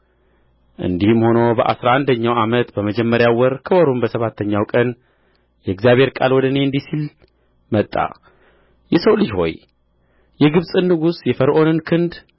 እንዲህም ሆነ በአሥራ አንደኛው ዓመት በመጀመሪያው ወር ከወሩም በሰባተኛው ቀን የእግዚአብሔር ቃል ወደ እኔ እንዲህ ሲል መጣ የሰው ልጅ ሆይ የግብጽን ንጉሥ የፈርዖንን ክንድ